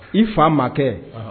I fa ma kɛ